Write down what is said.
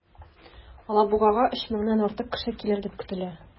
Алабугага 3 меңнән артык кеше килер дип көтелә.